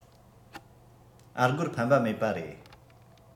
ཨ སྒོར ཕན པ མེད པ རེད